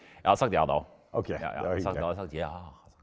jeg hadde sagt ja da òg ja ja da hadde jeg sagt ja.